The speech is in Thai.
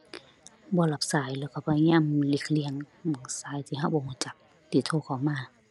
บ่รับสายแล้วก็พยายามหลีกเลี่ยง หมวดสายที่ก็บ่ก็จักที่โทรเข้ามา